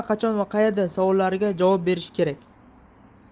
qachon va qaerda savollariga javob berishi kerak